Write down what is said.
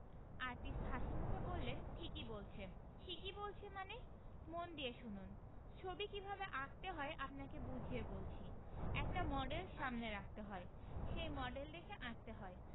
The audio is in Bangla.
আর্টিস্ট হাসিমুখে বললেন ঠিকই বলছে ‘ঠিকই বলছে মানে মন দিয়ে শুনুন ছবি কি ভাবে আঁকতে হয় আপনাকে বুঝিয়ে বলছি একটা মডেল সামনে রাখতে হয় সেই মডেল দেখে দেখে আঁকতে হয়